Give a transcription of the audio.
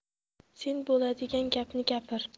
sen bo'ladigan gapni gapir